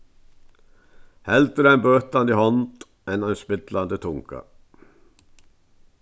heldur ein bøtandi hond enn ein spillandi tunga